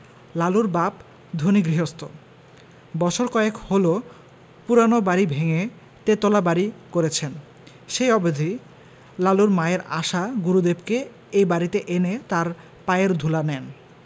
লালুর বাপ ধনী গৃহস্থ বছর কয়েক হলো পুরানো বাড়ি ভেঙ্গে তেতলা বাড়ি করেছেন সেই অবধি লালুর মায়ের আশা গুরুদেবকে এ বাড়িতে এনে তাঁর পায়ের ধুলা নেন